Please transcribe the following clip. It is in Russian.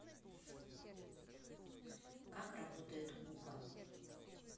как работает кука